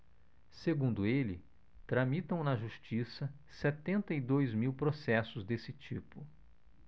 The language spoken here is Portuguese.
segundo ele tramitam na justiça setenta e dois mil processos desse tipo